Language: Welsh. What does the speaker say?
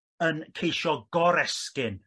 yn ceisio goresgyn